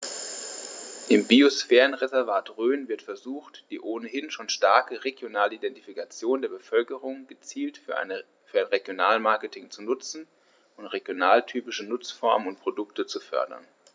Im Biosphärenreservat Rhön wird versucht, die ohnehin schon starke regionale Identifikation der Bevölkerung gezielt für ein Regionalmarketing zu nutzen und regionaltypische Nutzungsformen und Produkte zu fördern.